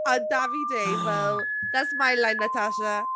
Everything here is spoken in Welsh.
A oedd Davide fel... ..."That's my line, Natasha."